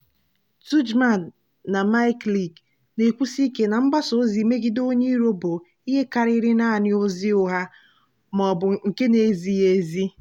Tudjman na Mikelic na-ekwusi ike na mgbasa ozi mmegide onye iro bụ ihe karịrị nanị ozi ugha ma ọ bụ nke na-ezighị ezi.